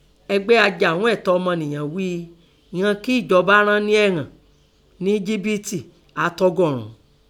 Ẹgbẹ́ ajàún ẹ̀tọ́ ọmọnìyàn ghíi, ìnan kín ẹ̀jọba rán nẹ́ ẹ̀họ̀n nẹ́ Ejípìtì á tọ́gọ́rùn ún